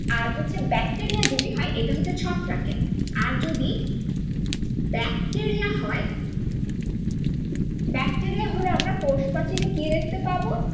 আর হচ্ছে ব্যাকটেরিয়া যদি হয় এটা হচ্ছে ছত্রাকের আর যদি ব্যাকটেরিয়া হয় ব্যাকটেরিয়া হলে আমরা কোষ প্রাচীরে কি দেখতে পাবো